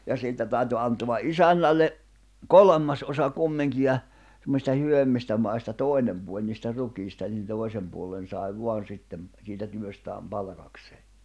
ja siitä täytyi antaa isännälle kolmas osa kumminkin ja semmoisista hyvemmistä maista toinen puoli niistä rukiista niin toisen puolen sai vain sitten siitä työstään palkakseen